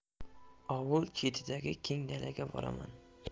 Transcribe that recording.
ovul chetidagi keng dalaga boraman